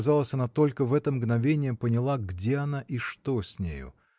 казалось, она только в это мгновение поняла, где она и что с нею.